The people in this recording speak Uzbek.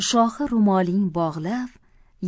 shohi ro'moling bog'lab